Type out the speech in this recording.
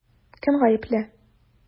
Кем гаепле?